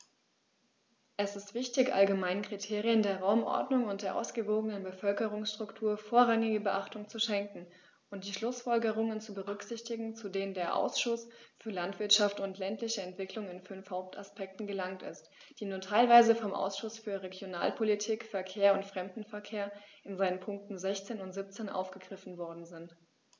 Es ist wichtig, allgemeinen Kriterien der Raumordnung und der ausgewogenen Bevölkerungsstruktur vorrangige Beachtung zu schenken und die Schlußfolgerungen zu berücksichtigen, zu denen der Ausschuss für Landwirtschaft und ländliche Entwicklung in fünf Hauptaspekten gelangt ist, die nur teilweise vom Ausschuss für Regionalpolitik, Verkehr und Fremdenverkehr in seinen Punkten 16 und 17 aufgegriffen worden sind.